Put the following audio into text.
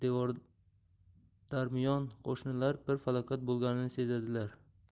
devordarmiyon qo'shnilar bir falokat bo'lganini sezadilar